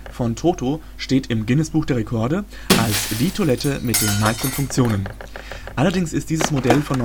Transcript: den meisten Funktionen. Allerdings ist dieses Modell von